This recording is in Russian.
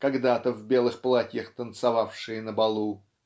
когда-то в белых платьях танцевавшие на балу